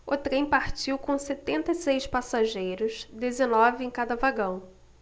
o trem partiu com setenta e seis passageiros dezenove em cada vagão